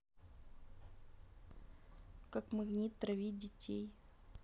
как магнит травить детей